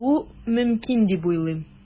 Бу мөмкин дип уйлыйм.